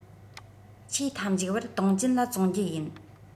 ཆེས མཐའ མཇུག བར ཏུང ཅིན ལ བཙོང རྒྱུ ཡིན